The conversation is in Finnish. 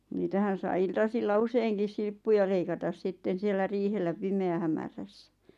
niitähän sai iltasilla useinkin silppuja leikata sitten siellä riihellä pimeähämärässä